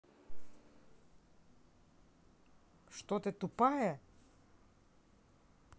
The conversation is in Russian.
что ты тупая